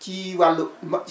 ci wàllu